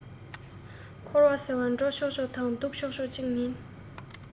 འཁོར བ ཟེར བ འགྲོ ཆོག ཆོག དང འདུག ཆོག ཆོག ཅིག མིན